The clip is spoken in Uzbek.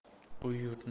u yurtni ham bu